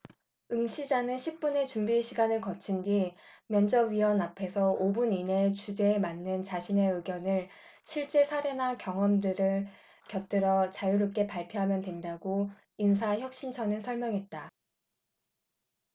응시자는 십 분의 준비시간을 거친 뒤 면집위원 앞에서 오 분 이내에 주제에 맞는 자신의 의견을 실제사례나 경험 등을 곁들여 자유롭게 발표하면 된다고 인사혁신처는 설명했다